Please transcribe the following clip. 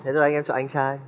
dạ thưa anh em chọn anh trai